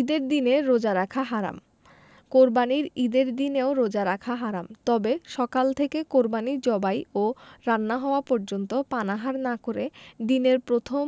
ঈদের দিনে রোজা রাখা হারাম কোরবানির ঈদের দিনেও রোজা রাখা হারাম তবে সকাল থেকে কোরবানি জবাই ও রান্না হওয়া পর্যন্ত পানাহার না করে দিনের প্রথম